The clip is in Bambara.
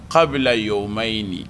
K'a bila yen o manɲ nin